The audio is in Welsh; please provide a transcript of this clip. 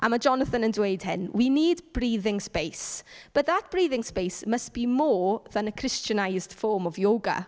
A ma' Jonathan yn dweud hyn, "We need breathing space, but that breathing space must be more than a Christianised form of yoga."